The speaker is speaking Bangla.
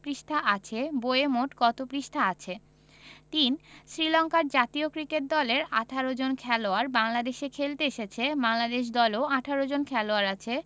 পৃষ্ঠা আছে বইয়ে মোট কত পৃষ্ঠা আছে ৩ শ্রীলংকার জাতীয় ক্রিকেট দলের ১৮ জন খেলোয়াড় বাংলাদেশে খেলতে এসেছেন বাংলাদেশ দলেও ১৮ জন খেলোয়াড় আছে